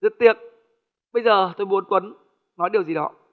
rất tiếc bây giờ tôi muốn tuấn nói điều gì đó